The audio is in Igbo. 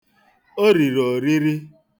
O riri oriri.